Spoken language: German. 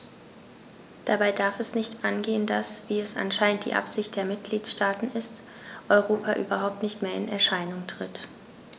Dabei darf es nicht angehen, dass - wie es anscheinend die Absicht der Mitgliedsstaaten ist - Europa überhaupt nicht mehr in Erscheinung tritt.